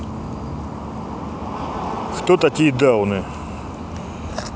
кто такие дауны